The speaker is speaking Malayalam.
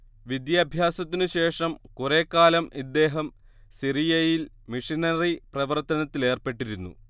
വിദ്യാഭ്യാസത്തിനുശേഷം കുറേക്കാലം ഇദ്ദേഹം സിറിയയിൽ മിഷനറി പ്രവർത്തനത്തിലേർപ്പെട്ടിരുന്നു